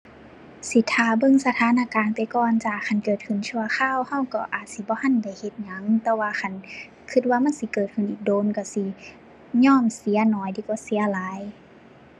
สิท่าเบิ่งสถานการณ์ไปก่อนจ้า คันเกิดขึ้นชั่วคราวเราก็อาจสิบ่ทันได้เฮ็ดหยัง แต่ว่าคัน เราว่ามันสิเกิดขึ้นอีกโดน เราสิยอมเสียน้อยดีกว่าเสียหลาย